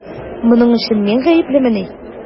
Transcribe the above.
Моның өчен мин гаеплемени?